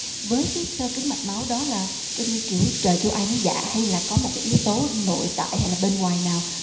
với cái xơ cứng mạch máu đó là coi như kiểu trời kêu ai nấy dạ hay là có một yếu tố nội tại hay là bên ngoài nào